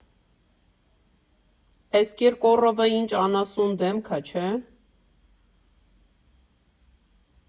Էս Կիռկոռովը ինչ անասուն դեմք ա, չէ՞։